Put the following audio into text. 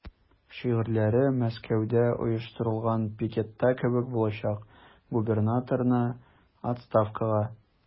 Шигарьләре Мәскәүдә оештырылган пикетта кебек булачак: "Губернаторны– отставкага!"